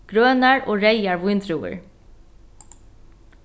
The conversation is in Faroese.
grønar og reyðar víndrúvur